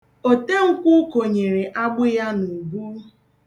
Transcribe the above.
Otenkwụ konyere agbụ ya n'ubu.